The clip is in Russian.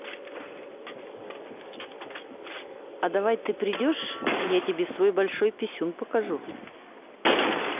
а давай ты придешь я тебе свой большой писюн покажу